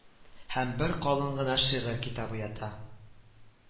Һәм бер калын гына шигырь китабы ята